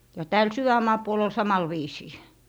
ja täällä sydänmaan puolella oli samalla viisiin